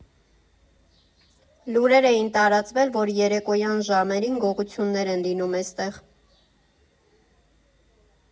Լուրեր էին տարածվել, որ երեկոյան ժամերին գողություններ են լինում էստեղ։